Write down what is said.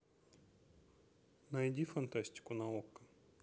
найди фантастику на окко